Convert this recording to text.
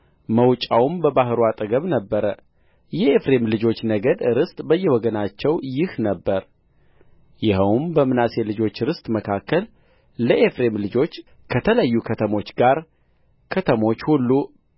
መውጫውም በባሕሩ አጠገብ ነበረ የኤፍሬም ልጆች ነገድ ርስት በየወገኖቻቸው ይህ ነበረ ይኸውም በምናሴ ልጆች ርስት መካከል ለኤፍሬም ልጆች ከተለዩ ከተሞች ጋር ከተሞች ሁሉ